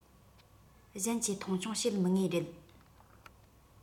གཞན གྱིས མཐོང ཆུང བྱེད མི ངེས རེད